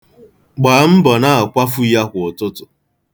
Gbaa mbọ na-akwafu ya kwa ụtụtụ.